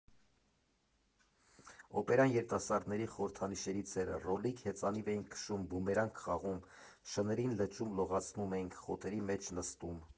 Օպերան երիտասարդների խորհրդանիշներից էր, ռոլիկ, հեծանիվ էինք քշում, բումերանգ խաղում, շներին լճում լողացնում էինք, խոտերի մեջ նստում։